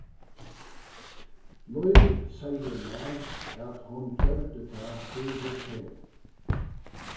lív segði mær at hon gjørdi tað fyri teg